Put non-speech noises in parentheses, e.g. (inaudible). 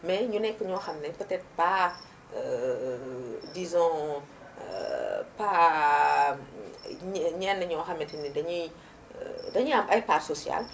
mais ñu nekk ñoo xam ne peut être pas (hesitation) disons (hesitation) pas (hesitation) ñenn ñoo xamante ni dañuy (hesitation) dañuy am ay parts sociales